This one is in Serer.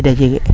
njinda jege